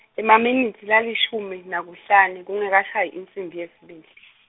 Emaminitsi lalishumi naku hlanu kungakashayi insimbi yesibili.